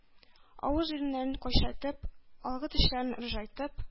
Авыз-иреннәрен кыйшайтып, алгы тешләрен ыржайтып